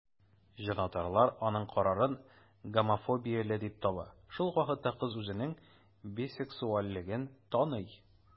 Җанатарлар аның карарын гомофобияле дип таба, шул ук вакытта кыз үзенең бисексуальлеген таный.